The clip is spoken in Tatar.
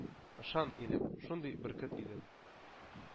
Ышан, илем, шундый бөркет идем.